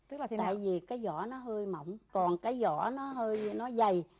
tại vì cái vỏ nó hơi mỏng còn cái vỏ nó hơi nó dày